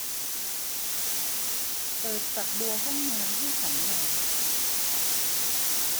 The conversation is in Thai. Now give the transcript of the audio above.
เปิดฝักบัวห้องน้ำให้ฉันหน่อย